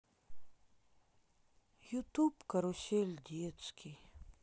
ютуб карусель детский